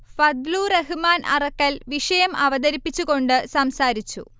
ഫദ്ലു റഹ്മാൻ അറക്കൽ വിഷയം അവതരിപ്പിച്ച് കൊണ്ട് സംസാരിച്ചു